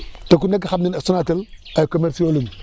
te ku nekk xam na ne Sonatelay commerciaux la ñu